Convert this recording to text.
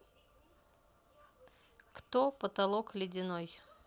кто потолок ледяной